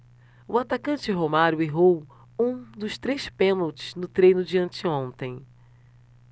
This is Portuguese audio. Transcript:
o atacante romário errou um dos três pênaltis no treino de anteontem